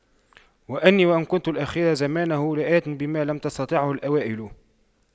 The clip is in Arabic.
وإني وإن كنت الأخير زمانه لآت بما لم تستطعه الأوائل